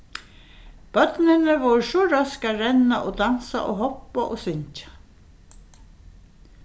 børnini vóru so røsk at renna og dansa og hoppa og syngja